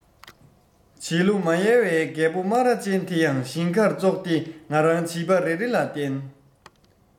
བྱིས བློ མ ཡལ བའི རྒད པོ སྨ ར ཅན དེ ཡང ཞིང ཁར ཙོག སྟེ ང རང བྱིས པ རེ རེ ལ བསྟན